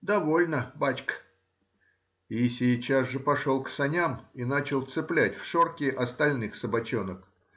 — Довольно, бачка,— и сейчас же пошел к саням и начал цеплять в шорки остальных собачонок.